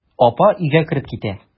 Апа өйгә кереп китә.